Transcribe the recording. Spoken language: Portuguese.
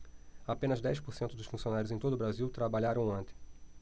apenas dez por cento dos funcionários em todo brasil trabalharam ontem